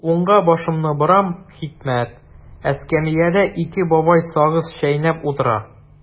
Уңга башымны борам– хикмәт: эскәмиядә ике бабай сагыз чәйнәп утыра.